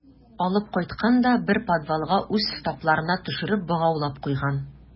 Алып кайткан да бер подвалга үз штабларына төшереп богаулап куйган.